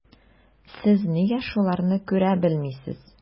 Сез нигә шуларны күрә белмисез?